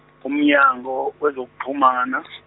uMnyango weZokuxhumana.